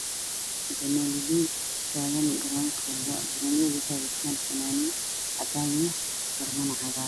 Waa wiilal taagan garoonkooda waxay wataan fanaanado cadaan ah iyo garaman cagaar ah.